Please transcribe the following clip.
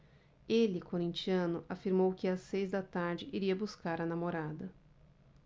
ele corintiano afirmou que às seis da tarde iria buscar a namorada